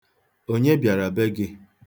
Onye bịara be gị?